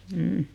mm